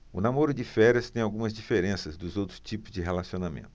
o namoro de férias tem algumas diferenças dos outros tipos de relacionamento